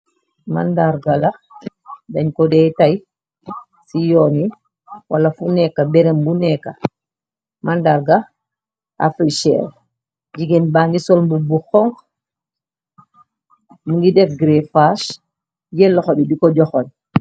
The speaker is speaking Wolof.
Mandarga la dañ ko dee tay ci yoon yi, wala fu nekka, berem bu nekka, mandarga Africel, jigéen ba ngi sol mbubu bu xonxu mu ngi def gréfas, jel loxo bi di ko joxoon.